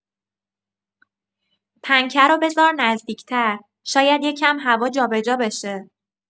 پنکه رو بذار نزدیک‌تر، شاید یه کم هوا جابه‌جا بشه.